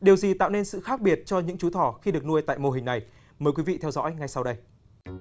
điều gì tạo nên sự khác biệt cho những chú thỏ khi được nuôi tại mô hình này mời quý vị theo dõi ngay sau đây